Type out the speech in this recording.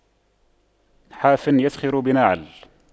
حافٍ يسخر بناعل